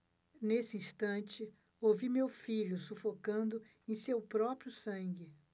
nesse instante ouvi meu filho sufocando em seu próprio sangue